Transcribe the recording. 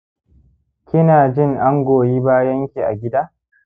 kinajin an goyi bayanki a gida